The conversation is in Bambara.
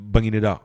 Bagineda